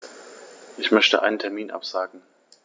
Ich möchte einen Termin absagen.